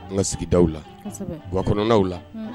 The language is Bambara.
An ka sigida la buwaknaw la